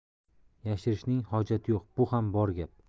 yashirishning hojati yo'q bu ham bor gap